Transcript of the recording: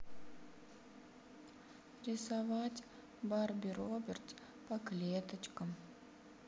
рисовать барби робертс по клеточкам